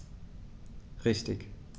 Richtig